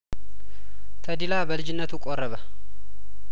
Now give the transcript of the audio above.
ተድላ በልጅነቱ ቆረበ